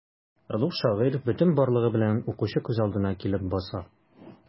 Олуг шагыйрь бөтен барлыгы белән укучы күз алдына килеп баса.